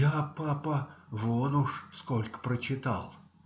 Я, папа, вон уж сколько прочитал,